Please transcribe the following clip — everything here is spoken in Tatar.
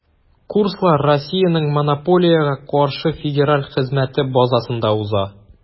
Курслар Россиянең Монополиягә каршы федераль хезмәте базасында уза.